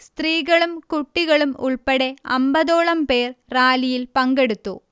സ്ത്രീകളും കുട്ടികളും ഉൾപ്പെടെ അമ്പതോളം പേർ റാലിയിൽ പങ്കെടുത്തു